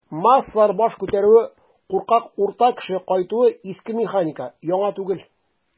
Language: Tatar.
"массалар баш күтәрүе", куркак "урта кеше" кайтуы - иске механика, яңа түгел.